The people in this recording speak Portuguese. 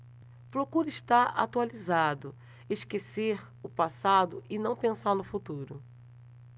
procuro estar atualizado esquecer o passado e não pensar no futuro